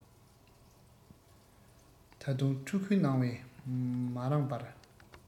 ད དུང ཕྲུ གུའི སྣང བས མ རེངས པར